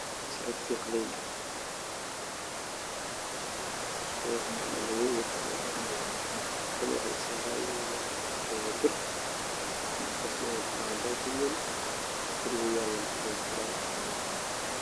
Waa miis midabkiisu yahay madow waxa uu yaalla mutelel cadaan ah waxa uu leeyahay afar lugood oo biro ah